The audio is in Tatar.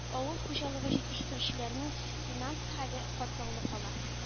Авыл хуҗалыгы җитештерүчеләренең финанс хәле катлаулы кала